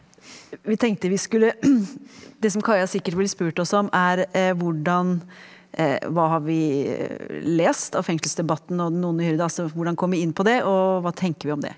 vi tenkte vi skulle det som Kaja sikkert ville spurt oss om er hvordan hva har vi lest av fengselsdebatten og Den onde hyrde, altså hvordan kom vi inn på det og hva tenker vi om det.